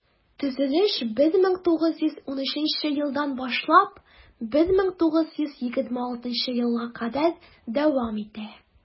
Төзелеш 1913 елдан башлап 1926 елга кадәр дәвам итә.